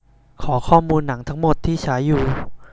ขอข้อมูลหนังทั้งหมดที่ฉายอยู่